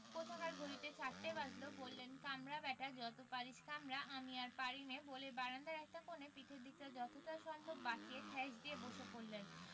কোথাকার ঘড়িতে চারটে বাজলো বললেন কামড়া ব্যাটারা যত পারিস কামড়া আমি আর পারিনে বলেই বারান্দায় একটা কোণে পিঠের দিকটা যতটা সম্ভব বাঁচিয়ে ঠেস দিয়ে বসে পড়লেন